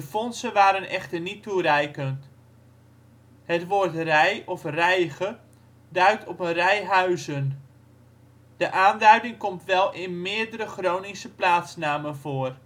fondsen waren echter niet toereikend. Het woord rij of rijge duidt op een rij huizen. De aanduiding komt wel in meerdere Groningse plaatsnamen voor